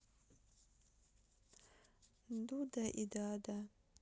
дуда и дада